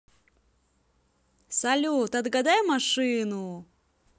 салют отгадай машину